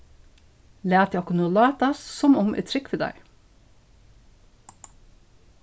latið okkum nú látast sum um eg trúgvi tær